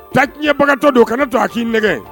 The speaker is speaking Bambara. Tatiɲɛbagatɔ don kan'a to a k'i nɛgɛn